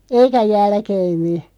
eikä jälkeemmin